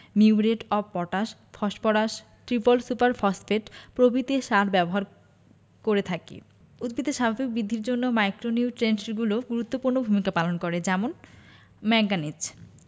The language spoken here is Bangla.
muriate of potash phosphorus triple super phosphate প্রভৃতি সার ব্যবহার করে থাকি উদ্ভিদের স্বাভাবিক বিদ্ধির জন্য মাইক্রোনিউট্রেন্টগুলোও গুরুত্বপূর্ণ ভূমিকা পালন করে যেমন ম্যাংগানিজ